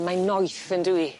...mae'n noeth yndyw 'i?